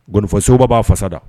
Ŋɔnifɔsoba b'a fasa da